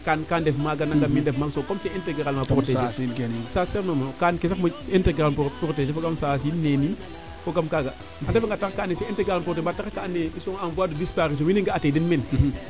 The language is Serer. ka ndef maaga nanagam miin comme ca c' est integralement proteger saas sax non non kaan ke sax integralement proteger fogaam saas in neen in fogaaam kaaga a refa nga taxar ka ando naye c' est integralement proteger mba te ref taxar kaa ando naye il sont en voie de disparition i nga a te den meen